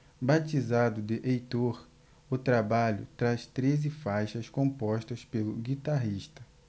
batizado de heitor o trabalho traz treze faixas compostas pelo guitarrista